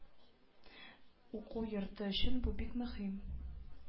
Уку йорты өчен бу бик мөһим